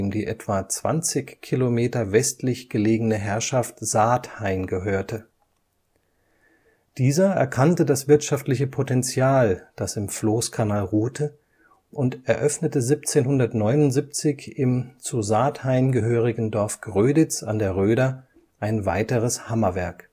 die etwa 20 Kilometer westlich gelegene Herrschaft Saathain gehörte. Dieser erkannte das wirtschaftliche Potential, das im Floßkanal ruhte, und eröffnete 1779 im zu Saathain gehörigen Dorf Gröditz an der Röder ein weiteres Hammerwerk